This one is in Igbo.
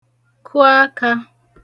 kụ akā